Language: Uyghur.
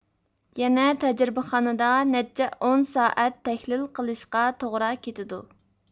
يەنە تەجرىبىخانىدا نەچچە ئون سائەت تەھلىل قىلىشقا توغرا كېتىدۇ